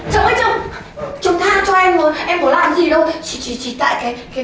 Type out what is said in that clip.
chồng ơi chồng chồng tha cho em với em có làm gì đâu chỉ chỉ chỉ tại cái cái